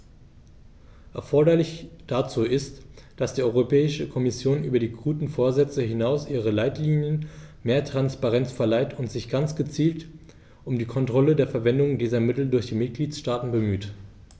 Erforderlich dazu ist, dass die Europäische Kommission über die guten Vorsätze hinaus ihren Leitlinien mehr Transparenz verleiht und sich ganz gezielt um die Kontrolle der Verwendung dieser Mittel durch die Mitgliedstaaten bemüht.